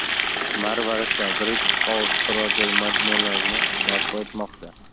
marvarid va british house turar joy majmualarini barpo etmoqda